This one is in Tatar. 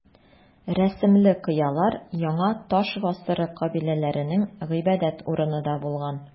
Рәсемле кыялар яңа таш гасыры кабиләләренең гыйбадәт урыны да булган.